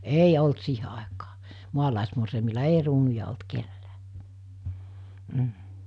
ei ollut siihen aikaan maalaismorsiamilla ei kruunuja ollut kenelläkään mm